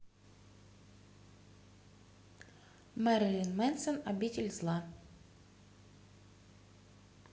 мэрилин мэнсон обитель зла